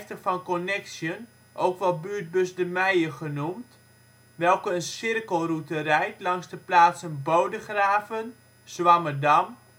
van Connexxion ook wel Buurtbus De Meije genoemd), welke een cirkelroute rijdt langs de plaatsen: Bodegraven - Zwammerdam